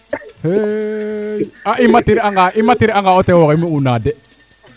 a i matir anga o tewo xemi una de